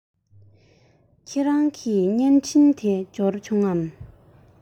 ཁྱེད རང གི བརྙན འཕྲིན དེ འབྱོར བྱུང ངས